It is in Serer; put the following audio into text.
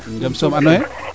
jam soom ano yee